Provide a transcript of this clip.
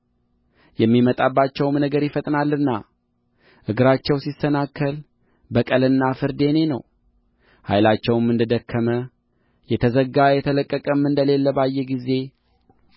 የሚመጣባቸውም ነገር ይፈጥናልናእ ግራቸው ሲሰናከል በቀልና ፍርድ የእኔ ነው ኃይላቸውም እንደ ደከመ የተዘጋ የተለቀቀም እንደሌለ ባየ ጊዜ